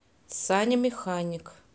саня механик